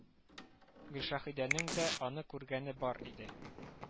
Гөлшәһидәнең дә аны күргәне бар иде